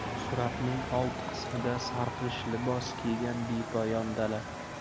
suratning old qismida sarg'ish libos kiygan bepoyon dala